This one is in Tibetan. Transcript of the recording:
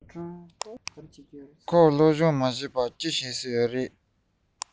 ཁོས སློབ སྦྱོང མ བྱས པར ག རེ བྱེད ཀྱི ཡོད རས